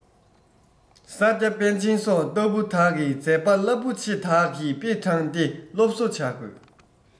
ས སྐྱ པཎ ཆེན སོགས ལྟ བུ དག གི མཛད པ རླབས པོ ཆེ དག གི དཔེ དྲངས ཏེ སློབ གསོ བྱ དགོས